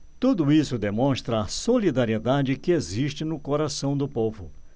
tudo isso demonstra a solidariedade que existe no coração do povo